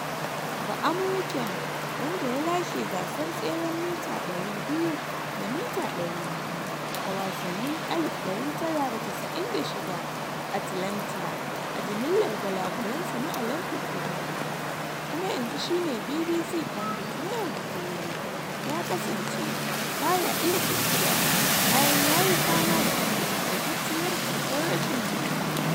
Ba’amurken, wanda ya lashe gasar tseren mita 200 da mita 400 a wasannin 1996 a Atlanta a jimillar gwalagwalan sa na Olympic guda hudu kuma yanzu shi ne BBC pundit na yau da kullun, ya kasance baya iya tafiya bayan yayi fama da takaitattar cutar rashin jini.